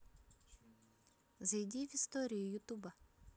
зайди в историю ютуба